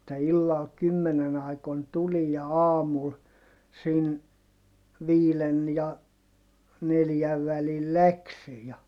että illalla kymmenen aikoihin tuli ja aamulla siinä viiden ja neljän välillä lähti ja